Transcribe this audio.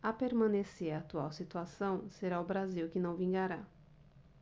a permanecer a atual situação será o brasil que não vingará